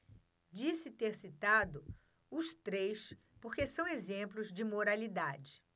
disse ter citado os três porque são exemplos de moralidade